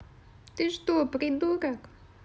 ты что придурок